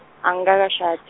angikakashadi.